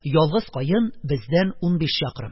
Ялгыз каен бездән унбиш чакрым.